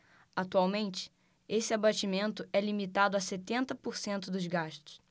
atualmente esse abatimento é limitado a setenta por cento dos gastos